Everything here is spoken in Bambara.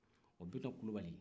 o bitɔn kulibali